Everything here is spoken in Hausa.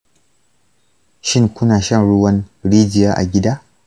shin kuna shan ruwan rijiya a gida?